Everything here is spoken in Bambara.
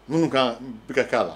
Minnu kan bi kɛ a la